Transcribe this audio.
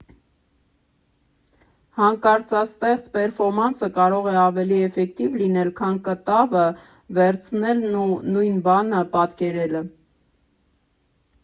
Հանկարծաստեղծ պերֆորմանսը կարող է ավելի էֆեկտիվ լինել, քան կտավը վերցնելն ու նույն բանը պատկերելը։